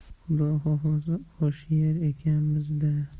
xudo xohlasa osh yer ekanmiz da